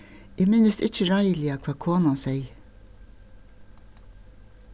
eg minnist ikki reiðiliga hvat konan segði